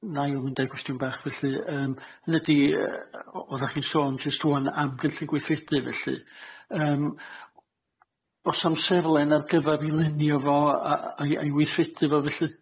N- na i'm yn deud cwestiwn bach felly yym hynny ydi yy o- oddach chi'n sôn jyst rŵan am gynllun gweithredu felly yym o's amserlen ar gyfar ei lunio fo a a'i a'i weithredu fo felly?